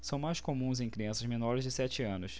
são mais comuns em crianças menores de sete anos